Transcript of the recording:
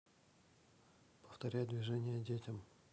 повторять движения детям